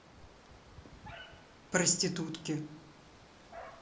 проститутки